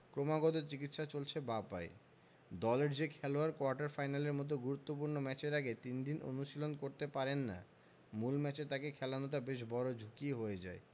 ক্রমাগত চিকিৎসা চলছে বাঁ পায়ে দলের যে খেলোয়াড় কোয়ার্টার ফাইনালের মতো গুরুত্বপূর্ণ ম্যাচের আগে তিন দিন অনুশীলন করতে পারেন না মূল ম্যাচে তাঁকে খেলানোটা বেশ বড় ঝুঁকিই হয়ে যায়